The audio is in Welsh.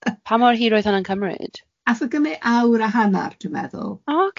Pa mor hir oedd hwnna'n cymryd? Aeth o gymryd awr a hannar dwi'n meddwl. O ocê.